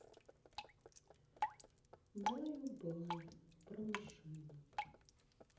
баю бай про машинок